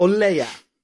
O leia.